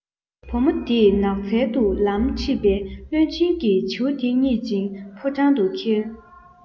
བུ མོ དེས ནགས ཚལ དུ ལམ ཁྲིད པས བློན ཆེན གྱིས བྱིའུ དེ ཪྙེད ཅིང ཕོ བྲང དུ ཁྱེར